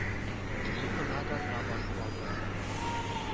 Кызу гына газга басып алды